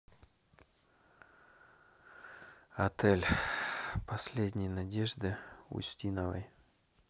отель последней надежды устиновой